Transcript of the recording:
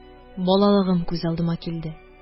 Балалыгым күз алдыма килде